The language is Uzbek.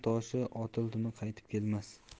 toshi otildimi qaytib kelmas